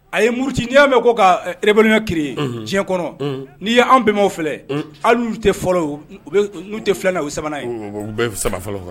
A ye muruti ni y'a mɛn ko kab ki tiɲɛ kɔnɔ n'i ye anw bɛn filɛ anwu tɛ fɔlɔ n'u tɛ filɛla u sabanan ye u sama fɔlɔ fɔlɔ